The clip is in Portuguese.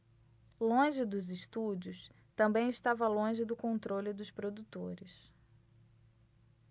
longe dos estúdios também estava longe do controle dos produtores